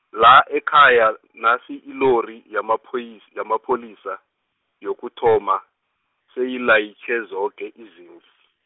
la ekhaya nasi ilori yamaphoyi- yamapholisa, yokuthoma, seyilayitjhe zoke izimvu.